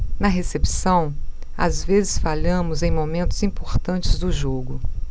na recepção às vezes falhamos em momentos importantes do jogo